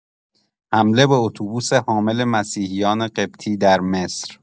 حمله به اتوبوس حامل مسیحیان قبطی در مصر